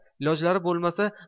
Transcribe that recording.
ilojlari bo'lmasa